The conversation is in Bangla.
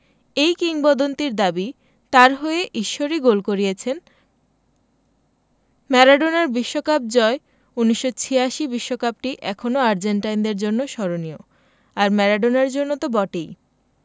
এই কিংবদন্তির দাবি তাঁর হয়ে ঈশ্বরই গোল করিয়েছেন ম্যারাডোনার বিশ্বকাপ জয় ১৯৮৬ বিশ্বকাপটি এখনো আর্জেন্টাইনদের জন্য স্মরণীয় আর ম্যারাডোনার জন্য তো বটেই